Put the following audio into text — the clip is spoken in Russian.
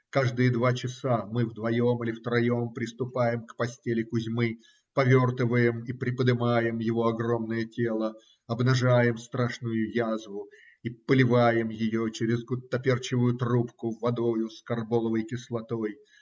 Каждые два часа мы, вдвоем или втроем, приступаем к постели Кузьмы, повертываем и приподымаем его огромное тело, обнажаем страшную язву и поливаем ее через гуттаперчевую трубку водою с карболовой кислотой.